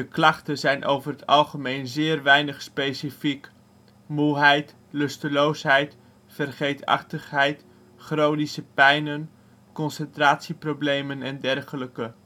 zijn over het algemeen zeer weinig specifiek: moeheid, lusteloosheid, vergeetachtigheid, chronische pijnen, concentratieproblemen en dergelijke